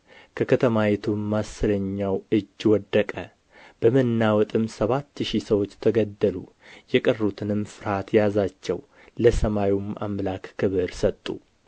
ከከተማይቱም አሥረኛው እጅ ወደቀ በመናወጥም ሰባት ሺህ ሰዎች ተገደሉ የቀሩትንም ፍርሃት ያዛቸው ለሰማዩም አምላክ ክብር ሰጡ